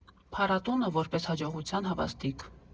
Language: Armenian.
Փառատոնը՝ որպես հաջողության հավաստիք։